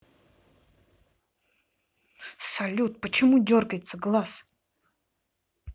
салют почему дергается глаз